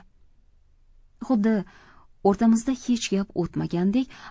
xuddi o'rtamizda hech gap o'tmagandek